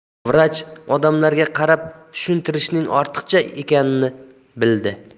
vrach odamlarga qarab tushuntirishning ortiqcha ekanini bildi